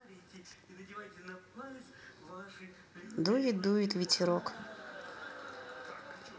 дует дует ветерок